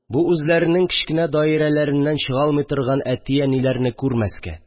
Бу үзләренең кечкенә даирәләреннән чыга алмый торган әтиләр, әниләрне күрмәскә